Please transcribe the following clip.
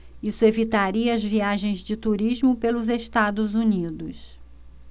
isso evitaria as viagens de turismo pelos estados unidos